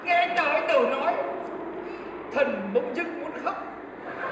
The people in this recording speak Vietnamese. nghe anh tào anh đẩu nói thần bỗng dưng muốn khóc